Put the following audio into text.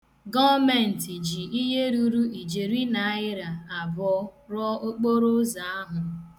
Gọọmentị ji ihe ruru ijeri naịra abụọ ruo okporụụzọ ahụ.